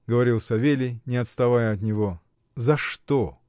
— говорил Савелий, не отставая от него. — За что?